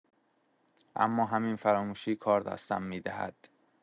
اما همین فراموشی کار دستم می‌دهد.